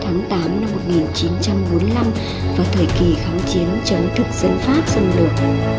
tháng năm và thời kỳ kháng chiến chống thực dân pháp xâm lược